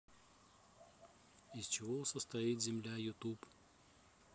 из чего состоит земля youtube